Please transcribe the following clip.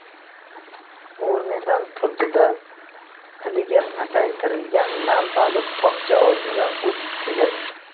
o'rnidan turdi da piligi pasaytirilgan lampali tokcha oldidan o'tib kelib